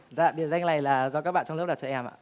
dạ biệt danh này là do các bạn trong lớp đặt cho em ạ